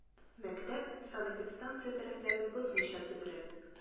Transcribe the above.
Мәктәп санэпидстанция таләпләрен бозмыйча төзелә.